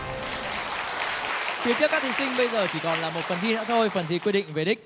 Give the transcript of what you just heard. phía trước các thí sinh bây giờ chỉ còn là một phần thi nữa thôi phần thi quyết định về đích